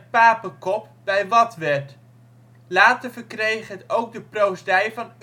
Papekop (bij Wadwerd). Later verkreeg het ook de proosdij van